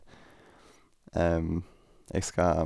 Jeg skal...